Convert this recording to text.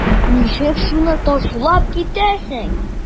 Ничек шуны ташлап китәсең?